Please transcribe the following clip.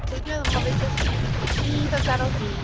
Ti'n gwybod be dwi'n meddwl, mae fe jyst i gyd amdano hi.